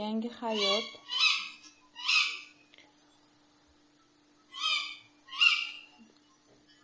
yangi hayot